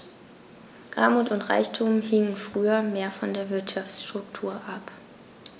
Armut und Reichtum hingen früher mehr von der Wirtschaftsstruktur ab.